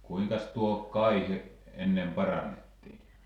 kuinkas tuo kaihi ennen parannettiin